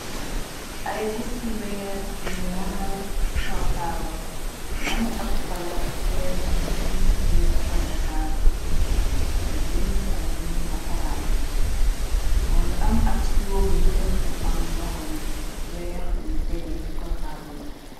ay gutu weer yuñu rangale ci kawtaabal am ab palaateer bu muu buñu defaree xank ni bind ci ay bind na saraan moo nga am ab siwo bu bula bu am loxoyu weex yuy tegee ci kawtaabal gi